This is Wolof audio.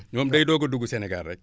ñoom day doog a dugg Sénégal rekk